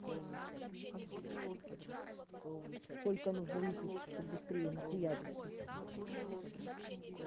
сколько нужно выпить чтобы быстрее нахуяриться